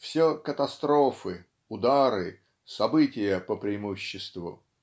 все катастрофы, удары, события по преимуществу.